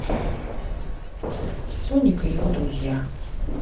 соник и его друзья